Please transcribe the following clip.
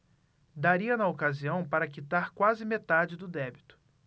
daria na ocasião para quitar quase metade do débito